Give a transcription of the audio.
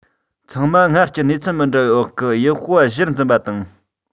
ཚང མ སྔར གྱི གནས ཚུལ མི འདྲ བའི འོག གི ཡུལ སྤོ བ གཞིར འཛིན པ དང